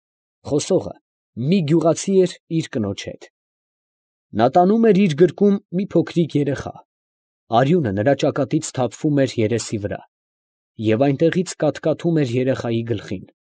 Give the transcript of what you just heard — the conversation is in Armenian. Խոսողը մի գյուղացի էր իր կնոջ հետ. նա տանում էր իր գրկում մի փոքրիկ երեխա. արյունը նրա ճակատից թափվում էր երեսի վրա, և այնտեղից կաթկաթում էր երեխայի գլխին։